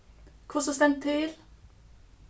hvussu stendur til